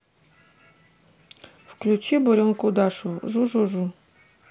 включи буренку дашу жу жу жу